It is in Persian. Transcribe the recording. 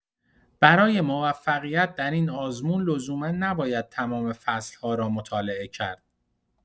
برای موفقیت در این آزمون لزوما نباید تمام فصل‌ها را مطالعه کرد.